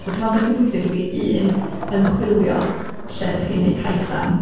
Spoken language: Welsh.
So dwi'n meddwl be sy'n bwysig ydy, un, ymchwilio lle dych chi'n wneud cais am.